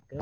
Oṣù Kẹwàá.